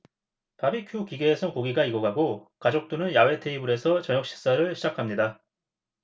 바비큐 기계에선 고기가 익어가고 가족들은 야외 테이블에서 저녁식사를 시작합니다